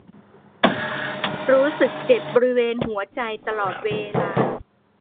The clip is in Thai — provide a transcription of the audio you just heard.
รู้สึกเจ็บบริเวณหัวใจตลอดเวลา